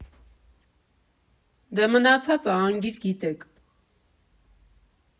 Դե, մնացածը՝ անգիր գիտեք։